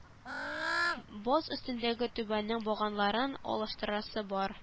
Баз өстендәге түбәнең баганаларын алыштырасы бар